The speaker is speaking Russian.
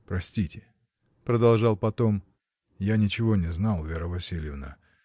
— Простите, — продолжал потом, — я ничего не знал, Вера Васильевна.